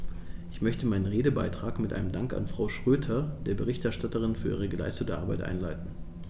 Ich möchte meinen Redebeitrag mit einem Dank an Frau Schroedter, der Berichterstatterin, für die geleistete Arbeit einleiten.